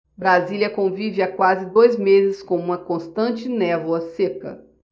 brasília convive há quase dois meses com uma constante névoa seca